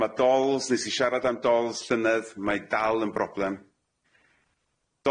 Ma' dols nesh i sharad am dols llynedd mae dal yn broblem.